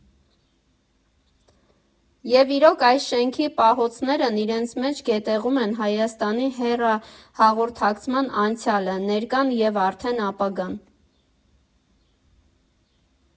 Եվ իրոք, այս շենքի պահոցներն իրենց մեջ զետեղում են Հայաստանի հեռահաղորդակցական անցյալը, ներկան և արդեն՝ ապագան։